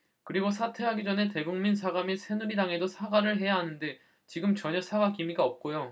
그리고 사퇴하기 전에 대국민 사과 밑 새누리당에도 사과를 해야 하는데 지금 전혀 사과 기미가 없고요